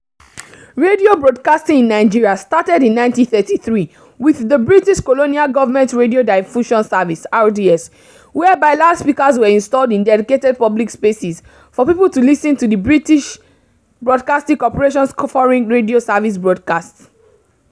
Radio broadcasting in Nigeria started in 1933 with the British colonial government’s Radio Diffusion Service (RDS), whereby loudspeakers were installed in dedicated public places for people to listen to the British Broadcasting Corporation’s foreign radio service broadcasts.